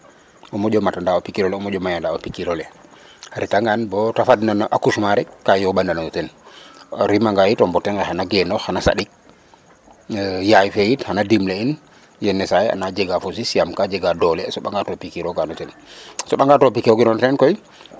O moƴo matandaa o piqure ole o moƴo mayanda o piqure ole a retanga bo ta fadna na accouchement rek ka yooɓan o ten a rimanga yitam o mbote nqe xan genoox xan a saɗik yaay fe yit xan o dimle'in yenisaay a naa jega fosis yaam ka jega doole a soɓanga to piqure oga no ten soɓa nga to piqure gon teen koy.